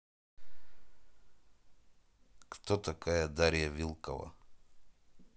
кто такая дарья вилкова